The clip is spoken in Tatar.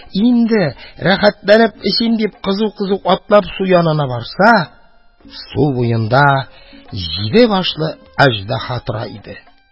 Инде рәхәтләнеп эчим дип, кызу-кызу атлап, су янына барса, су буенда җиде башлы аҗдаһа тора иде.